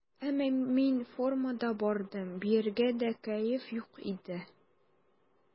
Әмма мин формадан бардым, биергә дә кәеф юк иде.